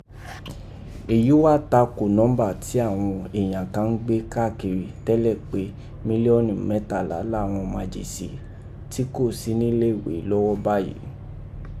Eyi wa tako nọmba ti awọn eeyan kan n gbe kaakiri tẹlẹ pe miliọnu mẹtala lawọn majeṣin ti ko si ni ileewe lọwọ bayii.